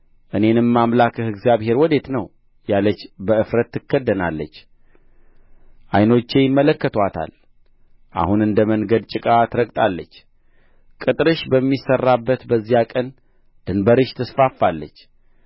እኔንም አምላክህ እግዚአብሔር ወዴት ነው ያለች በእፍረት ትከደናለች ዓይኖቼ ይመለከቱአታል አሁን እንደ መንገድ ጭቃ ትረገጣለች ቅጥርሽ በሚሠራበት